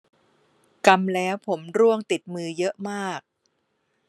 กำแล้วผมร่วงติดมือเยอะมาก